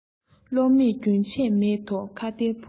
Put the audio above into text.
བློ མེད རྒྱུན ཆད མེད དོ ཁྭ ཏའི བུ